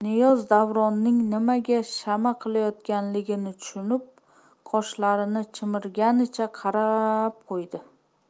niyoz davronning nimaga shama qilayotganini tushunib qoshlarini chimirganicha qarab qo'ydi